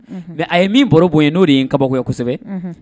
Mɛ a ye min baro bon ye n'o de ye kaba kosɛbɛ